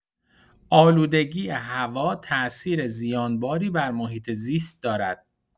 آلودگی هوا تاثیر زیانباری بر محیط‌زیست دارد.